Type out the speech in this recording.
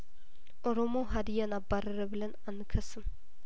ኦሮሞ ሀዲያን አባረረ ብለን አንከስም